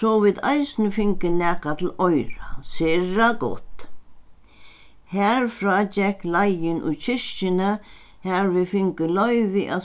so vit eisini fingu nakað til oyra sera gott harfrá gekk leiðin í kirkjuna har vit fingu loyvi at